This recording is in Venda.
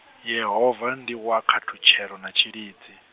Yehova ndi wa khathutshelo na tshilidzi.